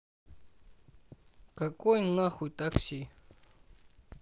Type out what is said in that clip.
какой нахуй такси